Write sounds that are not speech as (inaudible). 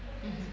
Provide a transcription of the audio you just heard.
(hesitation) (hesitation)